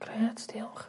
Grêt diolch.